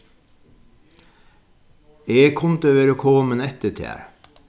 eg kundi verið komin eftir tær